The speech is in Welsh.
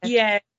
Ie.